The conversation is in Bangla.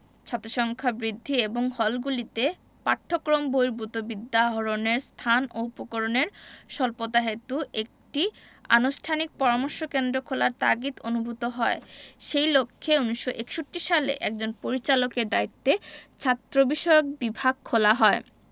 ছাত্রসংখ্যা বৃদ্ধি এবং হলগুলিতে পাঠ্যক্রম বহির্ভূত বিদ্যা আহরণের স্থান ও উপকরণের স্বল্পতাহেতু একটি আনুষ্ঠানিক পরামর্শ কেন্দ্র খোলার তাগিদ অনুভূত হয় সেই লক্ষ্যে ১৯৬১ সালে একজন পরিচালকের দায়িত্বে ছাত্রবিষয়ক বিভাগ খোলা হয়